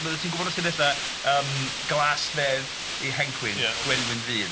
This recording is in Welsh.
Oeddet ti'n gwbod y llinellau yym "glasfedd eu hancwyn... ia 'na ti. ...gwenwyn fu" de.